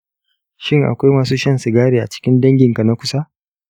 shin akwai masu shan sigari a cikin danginka na kusa?